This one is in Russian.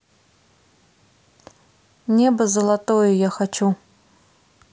небо золотое я хочу